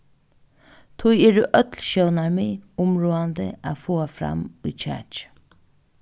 tí eru øll sjónarmið umráðandi at fáa fram í kjakið